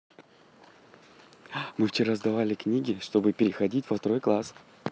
мы вчера сдавали книги чтобы переходить во второй класс